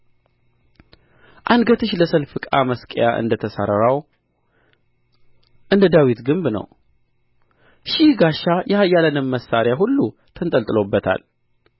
አንገትሽ ለሰልፍ ዕቃ መስቀያ እንደ ተሠራው እንደ ዳዊት ግንብ ነው ሺህ ጋሻ የኃያላንም መሣሪያ ሁሉ ተንጠልጥሎበታል